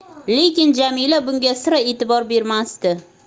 lekin jamila bunga sira e'tibor bermasdi